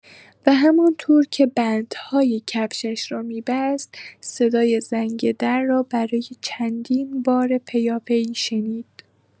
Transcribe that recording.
و همان طور که بندهای کفشش را می‌بست، صدای زنگ در را برای چندین بار پیاپی شنید.